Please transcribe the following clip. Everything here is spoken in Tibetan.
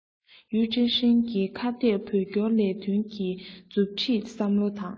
ཡུས ཀྲེང ཧྲེང གིས ཁ གཏད བོད སྐྱོར ལས དོན གྱི མཛུབ ཁྲིད བསམ བློ དང